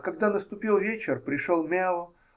Когда наступил вечер, пришел Мео.